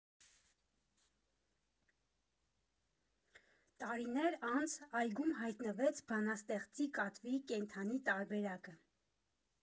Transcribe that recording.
Տարիներ անց այգում հայտնվեց բանաստեղծի կատվի կենդանի տարբերակը։